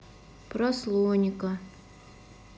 про слоника